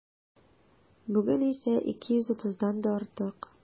Бүген исә 230-дан да артык.